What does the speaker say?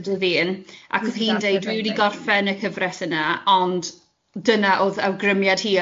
...trydydd un, ac oedd hi'n dweud dwi wedi gorffen y cyfres yna, ond dyna oedd awgrymiad hi,